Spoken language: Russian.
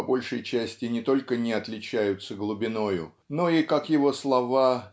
по большей части не только не отличаются глубиною но и как его слова